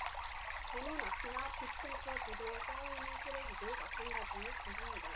대문 앞이나 집 근처 보도에 쌓여 있는 쓰레기도 마찬가지일 것입니다